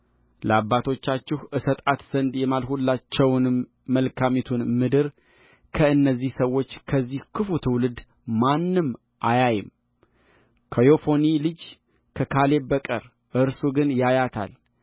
ለአባቶቻችሁ እሰጣት ዘንድ የማልሁላቸውን መልካሚቱን ምድር ከእነዚህ ሰዎች ከዚህ ክፉ ትውልድ ማንም አያይምከዮፎኒ ልጅ ከካሌብ በቀር እርሱ ግን ያያታል